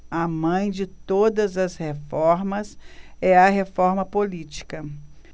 a mãe de todas as reformas é a reforma política